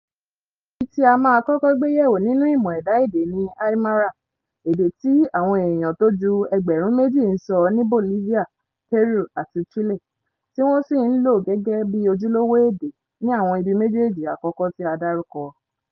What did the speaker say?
Èyí ti a máa kọ́kọ́ gbé yẹ̀wò nínú ìmọ̀ ẹ̀dá èdè ni Aymara; èdè tí àwọn èèyàn tó ju ẹgbẹ̀rún méjì ń sọ ní Bolivia, Peru àti Chile tí wọ́n sì ń lò gẹ́gẹ́ bi ojúlówó èdè ní àwọn ibi méjèéjí àkọ́kọ́ tí a dárúkọ.